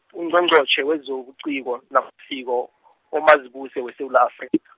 Ungqongqotjhe wezobuciko, namasiko, uMazibuse weSewula Afrika.